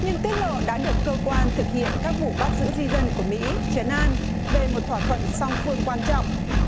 nhưng tiết lộ đã được cơ quan thực hiện các vụ bắt giữ di dân của mỹ trấn an về một thỏa thuận song phương quan trọng